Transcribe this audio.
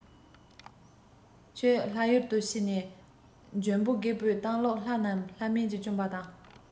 ཁྱོད ལྷ ཡུལ དུ ཕྱིན ནས འཇོན པོ རྒོས པོ བཏང ལུགས ལྷ རྣམས ལྷ མིན གྱིས བཅོམ པ དང